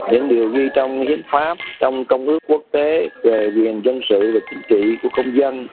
những điều ghi trong hiến pháp trong công ước quốc tế về quyền dân sự và chính trị của công dân